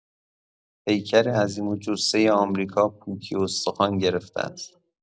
پیکر عظیم‌الجثه آمریکا پوکی استخوان گرفته است.